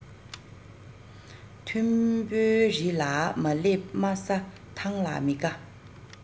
མཐོན པོའི རི ལ མ སླེབས དམའ ས ཐང ལ མི དགའ